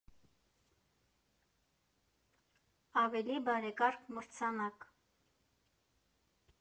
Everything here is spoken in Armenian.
Ավելի բարեկարգ մրցանակ։